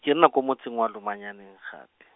ke nna ko motseng wa Lomanyaneng gabe.